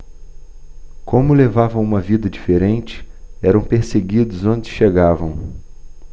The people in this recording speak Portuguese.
como levavam uma vida diferente eram perseguidos onde chegavam